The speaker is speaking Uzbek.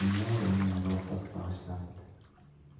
menga dunyo dunyo rohat bag'ishlar edi